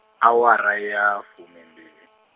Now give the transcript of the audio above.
awara ya, fumimbili.